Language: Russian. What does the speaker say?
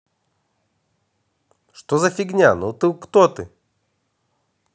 что за фигня ну кто ты